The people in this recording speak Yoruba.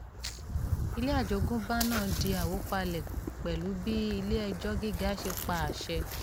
Ilé àjogúnbá náà di àwópalẹ̀ pẹ̀lú bí Ilé-ẹjọ́ Gíga ṣe pa àṣẹ.